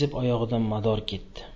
oyog'idan mador ketdi